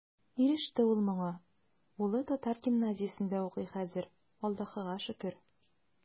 Иреште ул моңа, улы татар гимназиясендә укый хәзер, Аллаһыга шөкер.